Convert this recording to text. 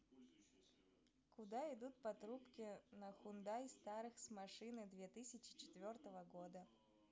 куда идут патрубки на хундай старых с машины две тысячи четвертого года